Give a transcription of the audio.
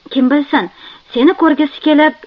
kim bilsin seni ko'rgisi kelib